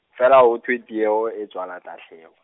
feela ho thwe tieho e tswala tahleho.